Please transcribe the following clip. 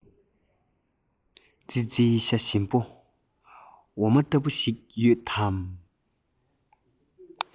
ཙི ཙིའི ཤ ཞིམ པོ འོ མ ལྟ བུ ཞིག ཡོད དམ